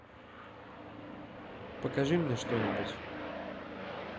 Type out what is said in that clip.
покажи мне что нибудь